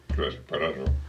kyllä se paras on